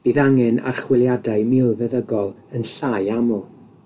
bydd angen archwiliadau milfeddygol yn llai aml.